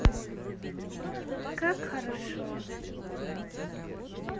как хорошо